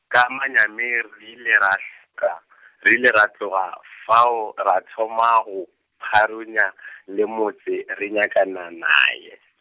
ka manyami re ile ra -ka, re ile ra tloga, fao ra thoma go, pharonya- , le motse re nyakana naye.